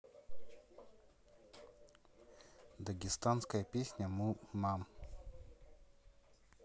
дагестанская песня my mom